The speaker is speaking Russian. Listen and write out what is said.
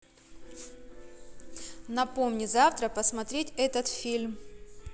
напомни завтра посмотреть этот фильм